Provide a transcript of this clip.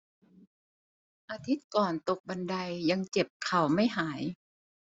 อาทิตย์ก่อนตกบันไดยังเจ็บเข่าไม่หาย